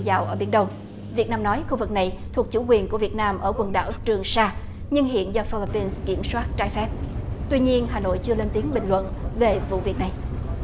dào ở biển đông việt nam nói khu vực này thuộc chủ quyền của việt nam ở quần đảo trường sa nhưng hiện giờ phi líp pin kiểm soát trái phép tuy nhiên hà nội chưa lên tiếng bình luận về vụ việc này